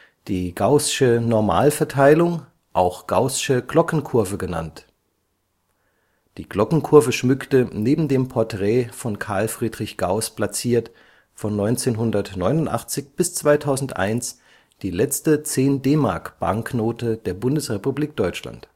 die gaußsche Normalverteilung, auch gaußsche Glockenkurve genannt (die Glockenkurve schmückte, neben dem Porträt von Carl Friedrich Gauß platziert, von 1989 bis 2001 die letzte 10-DM-Banknote der Bundesrepublik Deutschland